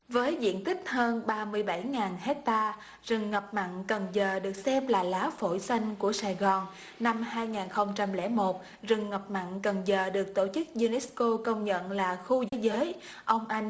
với diện tích hơn ba mươi bảy ngàn héc ta rừng ngập mặn cần giờ được xem là lá phổi xanh của sài gòn năm hai ngàn không trăm lẻ một rừng ngập mặn cần giờ được tổ chức diu nét cô công nhận là khu thế giới ông anh